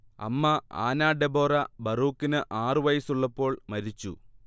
അമ്മ Ana Deborah ബറൂക്കിന് ആറുവയസ്സുള്ളപ്പോൾ മരിച്ചു